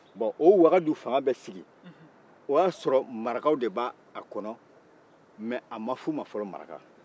bon o wagadu fanga bɛ sigi o y'a sɔrɔ marakaw de b'a kɔnɔ mɛ a ma f'u ma fɔlɔ maraka